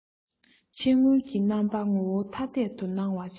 ཕྱིར མངོན གྱི རྣམ པ ངོ བོ ཐ དད དུ སྣང བར བྱེད